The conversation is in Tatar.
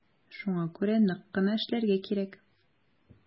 Шуңа күрә нык кына эшләргә кирәк.